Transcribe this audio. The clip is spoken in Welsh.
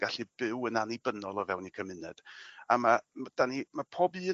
gallu byw yn annibynnol o fewn 'u cymuned a ma' m- 'dan ni ma' pob un